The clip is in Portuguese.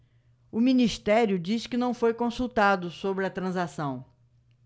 o ministério diz que não foi consultado sobre a transação